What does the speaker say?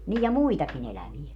niin ja muitakin eläviä